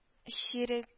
Чирек